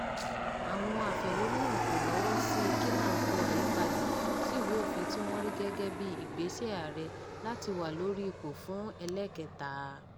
Àwọn afẹ̀hónúhàn kò lọ́wọ́ sí kílàńkó àyípadà sí ìwé-òfin tí wọ́n rí gẹ́gẹ́ bí ìgbésẹ̀ ààrẹ láti wà lórí ipò fún ẹlẹ́ẹ̀kẹ́ta.